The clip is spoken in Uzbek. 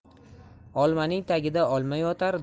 olmaning tagida olma yotar